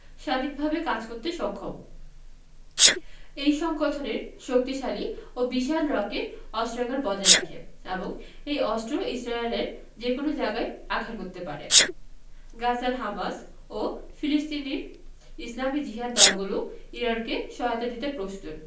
স্বাধীনভাবে কাজ করতে সক্ষম এই সংগঠনের শক্তিশালী ও বিশাল রকেট অস্ত্রাগার বজায় রাখে এবং এই অস্ত্র ইসরায়েলের যেকোনো জায়গায় আঘাত করতে পারে গাজার হামাস ও ফিলিস্তিনের ইসলামি জিহাদি দলগুলোও ইরানকে সহায়তা দিতে প্রস্তুত